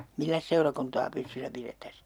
milläs seurakuntaa pystyssä pidettäisiin